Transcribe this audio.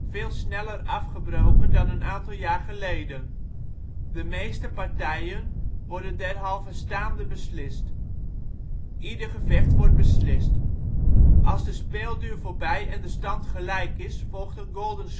veel sneller afgebroken dan een aantal jaar geleden. De meeste partijen worden derhalve staande beslist. Ieder gevecht wordt beslist. Als de speelduur voorbij en de stand gelijk is, volgt er golden